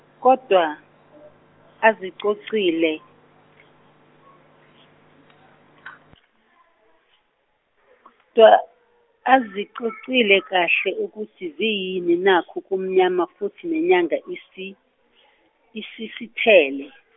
kodwa azixoxile- dwa azixocile kahle ukuthi ziyini na kubumnyama futhi inyanga isi- isisithele.